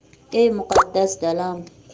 ey muqaddas dalam